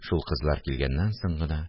Шул кызлар килгәннән соң гына